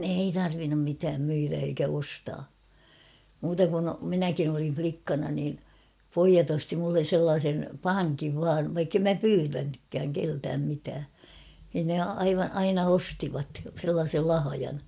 ei tarvinnut mitään myydä eikä ostaa muuta kuin minäkin olin likkana niin pojat osti minulle sellaisen pankin vain vaikka en minä pyytänytkään keneltäkään mitään niin ne - aina ostivat sellaisen lahjan